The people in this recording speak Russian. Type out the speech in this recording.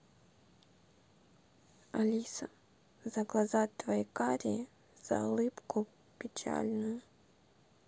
алиса за глаза твои карие за улыбку печальную